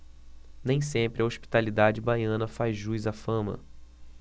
nem sempre a hospitalidade baiana faz jus à fama